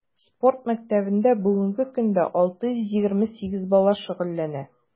Спорт мәктәбендә бүгенге көндә 628 бала шөгыльләнә.